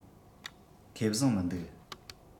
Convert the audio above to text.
ཁེ བཟང མི འདུག